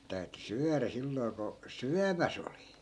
sitten täytyi syödä silloin kun syömässä oli